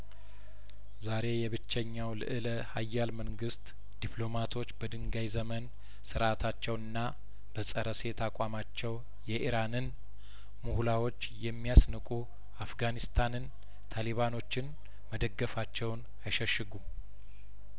ዛሬ የብቸኛውል እለሀያል መንግስት ዲፕሎማቶች በድንጋይዘመን ስርአታቸውና በጸረ ሴት አቋማቸው የኢራንን ሙህ ላዎች የሚያስንቁ አፍጋኒስታንን ታሊባኖችን መደገፋቸውን አይሸሽጉም